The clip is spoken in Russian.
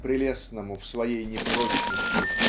прелестному в своей непрочности